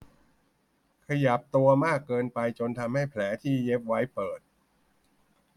ขยับตัวมากเกินไปจนทำให้แผลที่เย็บไว้เปิด